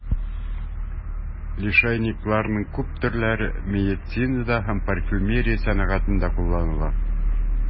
Лишайникларның күп төрләре медицинада һәм парфюмерия сәнәгатендә кулланыла.